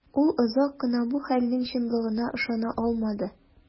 Ул озак кына бу хәлнең чынлыгына ышана алмады.